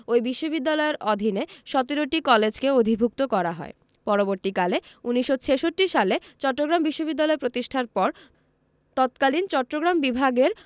ওই বিশ্ববিদ্যালয়ের অধীনে ১৭টি কলেজকে অধিভুক্ত করা হয় পরবর্তীকালে ১৯৬৬ সালে চট্টগ্রাম বিশ্ববিদ্যালয় প্রতিষ্ঠার পর তৎকালীন চট্টগ্রাম বিভাগের